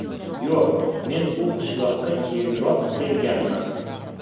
yo'q men bu qishloqqa keyinroq kelganman